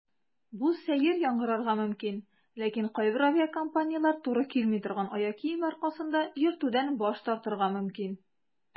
Бу сәер яңгырарга мөмкин, ләкин кайбер авиакомпанияләр туры килми торган аяк киеме аркасында йөртүдән баш тартырга мөмкин.